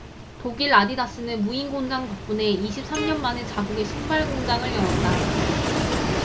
독일 아디다스는 무인공장 덕분에 이십 삼 년 만에 자국에 신발공장을 열었다